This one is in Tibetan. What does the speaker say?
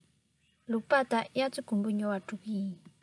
ལུག པགས དང དབྱར རྩྭ དགུན འབུ ཉོ བར འགྲོ གི ཡིན